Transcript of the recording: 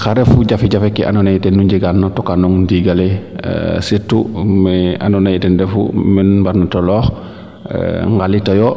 xa refu jafe jefe ke ando naye tenu njega na toka noonga ndinga le surtout me ando naye ten andu meenu mbarna toloox ngalitoyo